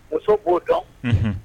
Muso b'o dɔn